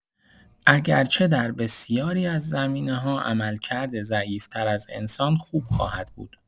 اگرچه در بسیاری از زمینه‌ها، عملکرد ضعیف‌تر از انسان خوب خواهد بود!